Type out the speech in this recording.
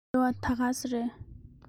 རེ བ ད ག ཟེ རེད